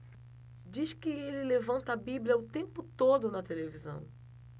diz que ele levanta a bíblia o tempo todo na televisão